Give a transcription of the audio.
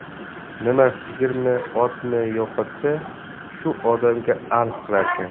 kim sigirmi otmi yo'qotsa shu odamga arz qilarkan